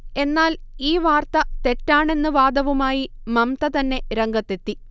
എന്നാൽ ഈ വാർത്ത തെറ്റാണെന്ന് വാദവുമായി മംമ്ത തന്നെ രംഗത്തെത്തി